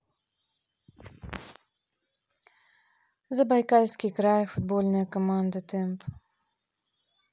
забайкальский край футбольная команда темп